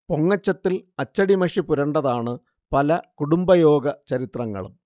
പൊങ്ങച്ചത്തിൽ അച്ചടിമഷി പുരണ്ടതാണ് പല കുടുംബയോഗ ചരിത്രങ്ങളും